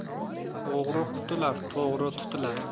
o'g'ri qutular to'g'ri tutilar